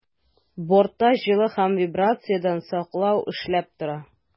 Бортта җылы һәм вибрациядән саклау эшләп тора.